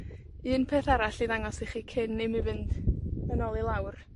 un peth arall i ddangos i chi cyn i mi fynd, yn ôl i lawr.